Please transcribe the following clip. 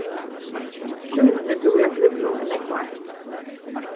hjúnini búðu á glyvrum í nógv ár